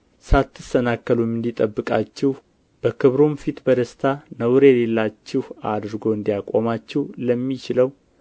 ሳትሰናከሉም እንዲጠብቃችሁ በክብሩም ፊት በደስታ ነውር የሌላችሁ አድርጎ እንዲያቆማችሁ ለሚችለው